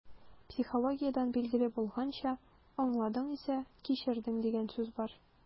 Психологиядән билгеле булганча, «аңладың исә - кичердең» дигән сүз бар.